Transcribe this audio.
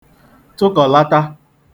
tụkọ̀lata